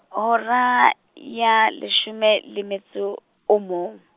hora ya leshome le metso o mong.